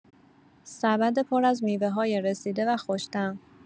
سبد پر از میوه‌های رسیده و خوش‌طعم